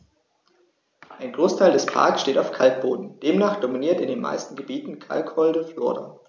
Ein Großteil des Parks steht auf Kalkboden, demnach dominiert in den meisten Gebieten kalkholde Flora.